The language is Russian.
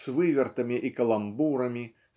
с вывертами и каламбурами